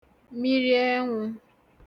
miriẹnwū